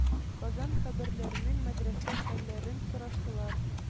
Казан хәбәрләрен, мәдрәсә хәлләрен сораштылар.